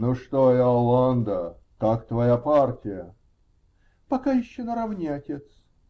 -- Ну что, Иоланда, как твоя партия? -- Пока еще наравне, отец.